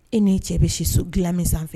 E ni'e cɛ bɛ si so dilan min sanfɛ fɛ